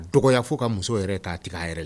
Dɔgɔya fo ka muso yɛrɛ ta a tigɛ a yɛrɛ la